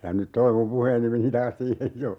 ja nyt tuo minun puheeni meni taas siihen jo